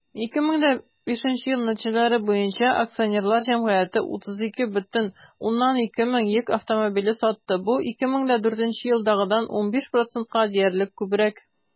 2005 ел нәтиҗәләре буенча акционерлар җәмгыяте 32,2 мең йөк автомобиле сатты, бу 2004 елдагыдан 15 %-ка диярлек күбрәк.